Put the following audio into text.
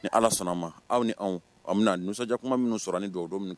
Ni ala sɔnna ma aw ni an bɛna nisɔnja kuma minnu sɔrɔ ni don o don minɛ